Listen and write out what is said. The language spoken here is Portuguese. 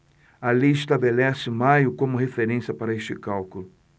a lei estabelece maio como referência para este cálculo